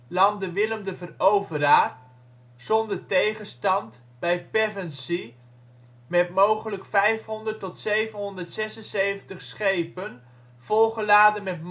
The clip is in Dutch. landde Willem de Veroveraar, zonder tegenstand bij Pevensey met mogelijk 500 tot 776 schepen volgeladen met manschappen